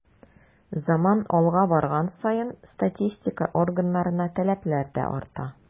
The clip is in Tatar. Заман алга барган саен статистика органнарына таләпләр дә арта.